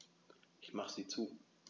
Ich mache sie zu.